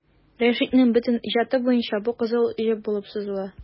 Рәшитнең бөтен иҗаты буена бу кызыл җеп булып сузыла.